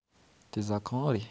དེ ཟ ཁང ཨེ རེད